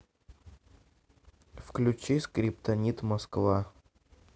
включи скриптонит москва